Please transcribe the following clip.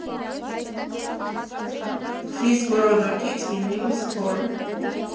Ֆիզգոռոդոկից Վինիլ Սթոր։